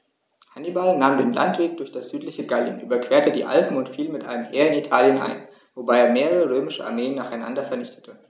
Hannibal nahm den Landweg durch das südliche Gallien, überquerte die Alpen und fiel mit einem Heer in Italien ein, wobei er mehrere römische Armeen nacheinander vernichtete.